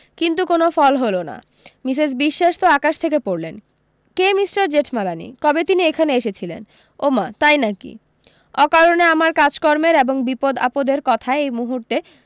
কিন্তু কোনো ফল হলো না মিসেস বিশ্বাস তো আকাশ থেকে পড়লেন কে মিষ্টার জেঠমালানি কবে তিনি এখানে এসেছিলেন ওমা তাই নাকি অকারণে আমার কাজকর্মের এবং বিপদ আপদের কথা এই মূহুর্তে